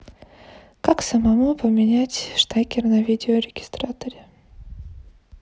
как самому поменять штекер на видеорегистраторе